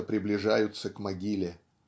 что приближаются к могиле.